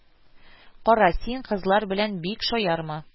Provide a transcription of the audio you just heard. Кара, син кызлар белән бик шаярма